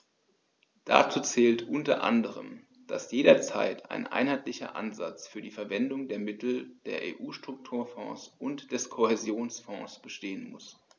Dazu zählt u. a., dass jederzeit ein einheitlicher Ansatz für die Verwendung der Mittel der EU-Strukturfonds und des Kohäsionsfonds bestehen muss.